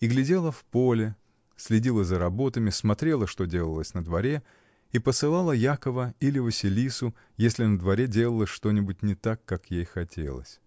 и глядела в поле, следила за работами, смотрела, что делалось на дворе, и посылала Якова или Василису, если на дворе делалось что-нибудь не так, как ей хотелось.